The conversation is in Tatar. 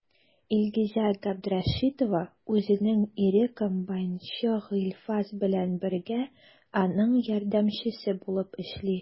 Илгизә Габдрәшитова үзенең ире комбайнчы Гыйльфас белән бергә, аның ярдәмчесе булып эшли.